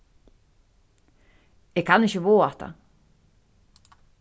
eg kann ikki vága hatta